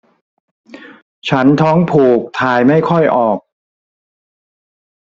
ฉันท้องผูกถ่ายไม่ค่อยออก